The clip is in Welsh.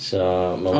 So mae...